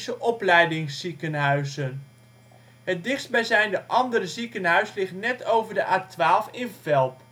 opleidingsziekenhuizen. Het dichtstbijzijnde andere ziekenhuis ligt net over de A12 in Velp